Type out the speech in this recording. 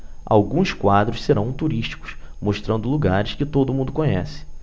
alguns quadros serão turísticos mostrando lugares que todo mundo conhece